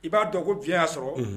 I b'a dɔn ko diɲɛya sɔrɔ